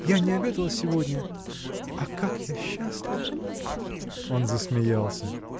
я не обедала сегодня, а как я счастлива! Он засмеялся.